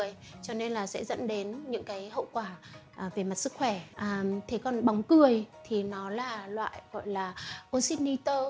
cho nên sẽ dẫn tới những hậu quả về sức khỏe thế còn bóng cười thì nó là loại oxit nito